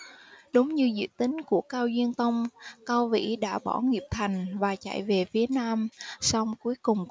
đúng như dự tính của cao diên tông cao vĩ đã bỏ nghiệp thành và chạy về phía nam song cuối cùng